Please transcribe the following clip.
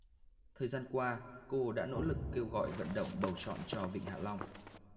thời gian qua cô đã nỗ lực kêu gọi vận động bầu chọn cho vịnh hạ long